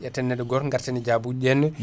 ƴetten nedɗo goto garten e jaabuji ɗi henna